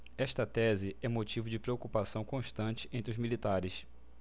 esta tese é motivo de preocupação constante entre os militares